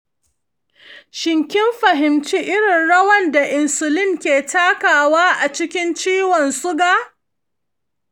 shin kin fahimci irin rawar da insulin ke takawa a cikin ciwon suga?